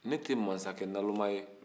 ne tɛ masakɛ nanoma ye